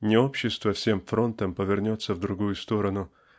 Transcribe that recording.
не общество всем фронтом повернется в другую сторону